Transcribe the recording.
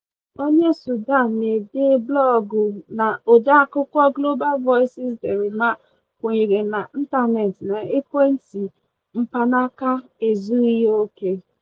Onye Sudan na-ede blọọgụ na odeakwụkwọ Global Voices Derima kwenyere na intaneti na ekwentị mkpanaka ezughị òkè.